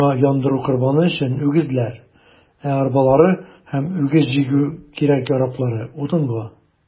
Менә сиңа яндыру корбаны өчен үгезләр, ә арбалары һәм үгез җигү кирәк-яраклары - утынга.